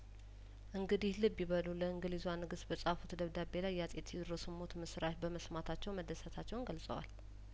እንግዲህ ልብ ይበሉ ለእንግሊዟንግስት በጻፉት ደብዳቤ ላይ የአጼ ቴዎድሮስን ሞት ምስራች በመስማታቸው መደሰታቸውን ገልጸዋል